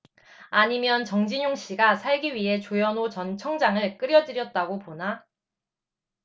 아니면 정진용씨가 살기 위해 조현오 전 청장을 끌여들였다고 보나